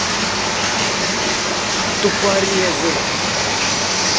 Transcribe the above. тупорезы